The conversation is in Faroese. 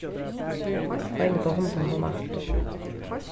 heini bað hundin koma aftur